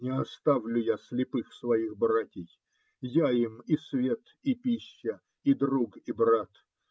Не оставлю я слепых своих братий: я им и свет и пища, и друг и брат.